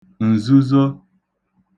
ǹzuzo